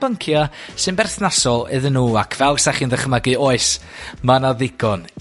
byncia' sy'n berthnasol iddyn nhw. Ac fel 'sa chi'n ddychmygu, oes, ma' 'na ddigon